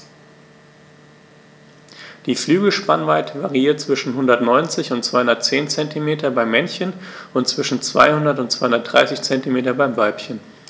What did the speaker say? Die Flügelspannweite variiert zwischen 190 und 210 cm beim Männchen und zwischen 200 und 230 cm beim Weibchen.